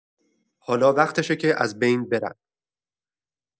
حالا وقتشه که از بین برن!